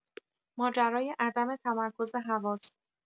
ماجرای عدم تمرکز حواس